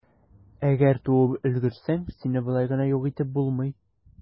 Әгәр туып өлгерсәң, сине болай гына юк итеп булмый.